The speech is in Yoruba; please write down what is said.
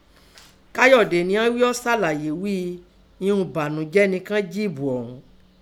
Káyọ̀dé nẹ́ ìnan sàlàyé ghíi ihun ẹ̀bànújẹ́ nẹ kín ọ́n jí èbò ọ̀ún.